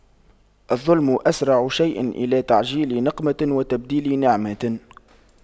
الظلم أسرع شيء إلى تعجيل نقمة وتبديل نعمة